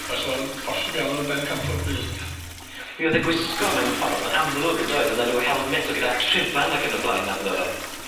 fysa fo'n posib iawn yn bencampwr byd. Mi o'dd e'n gwisgo mewn ffordd amlwg yndoedd? O'dd 'na rhyw helmet o' gyda triban ac yn y blaen arno fe.